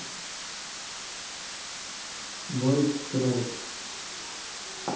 вайт страйпс